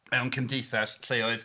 Mewn cymdeithas lle oedd...